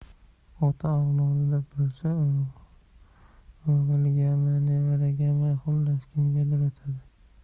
ota avlodida bo'lsa o'g'ilgami nevaragami xullas kimgadir o'tadi